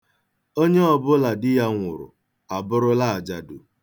Onye ọbụla di ya nwụrụ abụrụla ajadu.